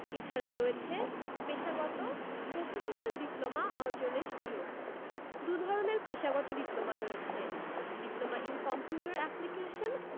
এছাড়া রয়েছে পেশাগত প্রফেশনাল ডিপ্লোমা অর্জনের সুযোগ দুধরনের পেশাগত ডিপ্লোমা রয়েছে ডিপ্লোমা ইন কম্পিউটার অ্যাপ্লিকেশন